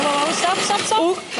O stop stop stop. Ww.